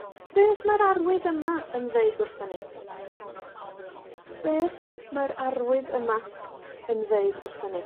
Beth mae'r arwydd yma yn ddeud wrthon ni? Beth mae'r arwydd yma yn ddeud wrthon ni?